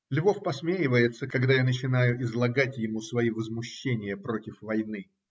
-------------- Львов посмеивается, когда я начинаю излагать ему свои возмущения против войны.